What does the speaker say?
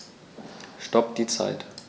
Stopp die Zeit